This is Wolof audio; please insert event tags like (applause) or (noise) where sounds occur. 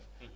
(hesitation) (hesitation)